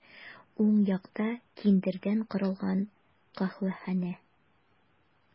Уң якта киндердән корылган каһвәханә.